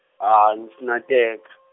ha a ndzi si na teka.